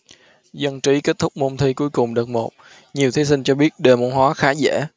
dân trí kết thúc môn thi cuối cùng đợt một nhiều thí sinh cho biết đề môn hóa khá dễ